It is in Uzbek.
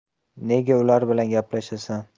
nega ular bilan gaplashasan